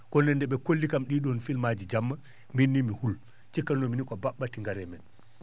kono nde ?e kolli kam ?ii ?oon film aji jamma miin ni mi hul cikkatnoomi ni ko ba??atti gari e men